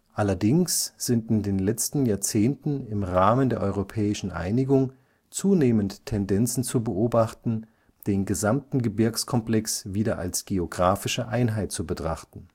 Allerdings sind in den letzten Jahrzehnten im Rahmen der europäischen Einigung (Schengener Abkommen) zunehmend Tendenzen zu beobachten, den gesamten Gebirgskomplex wieder als geographische Einheit zu betrachten